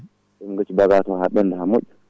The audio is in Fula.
yooɓe gaccu bagage mabɓe ha ɓenda ha moƴƴa